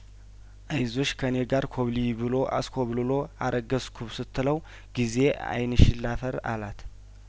አይዞሽ ከኔ ጋር ኮብልዪ ብሎ አስኮብልሎ አረገዝኩ ስትለው ጊዜ አይንሽን ላፈር አላት